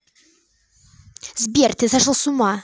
сбер ты сошел с ума